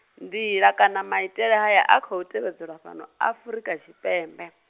nḓila kana maitele haya a khou tevhedzelwa fhano Afurika Tshipembe.